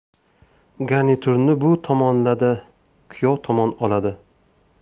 garniturni bu tomonlarda kuyov tomon oladi